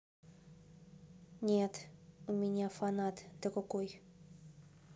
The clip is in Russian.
нет у меня фанат другой